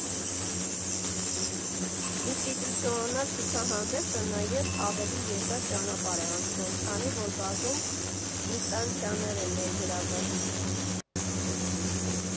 Ինստիտուցիոնալ ցուցահանդեսը նաև ավելի երկար ճանապարհ է անցնում, քանի որ բազում ինստանցիաներ են ներգրավված։